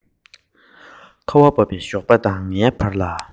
གཅུང མོའི ངུ སྒྲའི ཁྲོད དུ ཁ བ བབས པའི